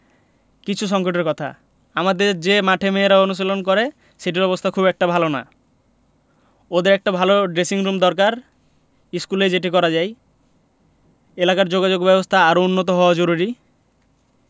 কিছু সংকটের কথা আমাদের যে মাঠে মেয়েরা অনুশীলন করে সেটির অবস্থা খুব একটা ভালো নয় ওদের একটা ভালো ড্রেসিংরুম দরকার স্কুলেই যেটি করা যায় এলাকার যোগাযোগব্যবস্থা আরও উন্নত হওয়া জরুরি